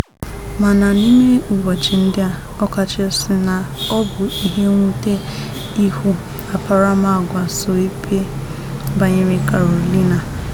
Mana n'ime ụbọchị ndị a, ọkachasị na ọ bụ ihe mwute ịhụ akparamaagwa so ikpe banyere Carolina ...